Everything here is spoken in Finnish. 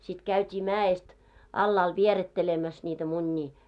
sitten käytiin mäestä alhaalle vierittelemässä niitä munia